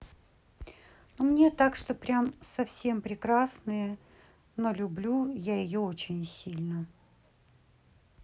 ну мне так что прям совсем прекрасные но люблю я ее очень сильно